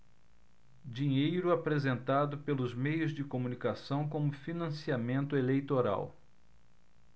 dinheiro apresentado pelos meios de comunicação como financiamento eleitoral